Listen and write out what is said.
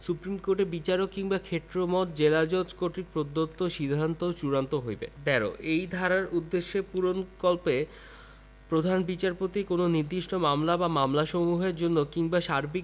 supreme কোর্টের বিচারক কিংবা ক্ষেত্রমত জেলাজজ কর্তৃক প্রদত্ত সিদ্ধান্ত চূড়ান্ত হইবে ১৩ এই ধারার উদ্দেশ্য পূরণকল্পে প্রধান বিচারপতি কোন নির্দিষ্ট মামলা বা মামলাসমূহের জন্য কিংবা সার্বিক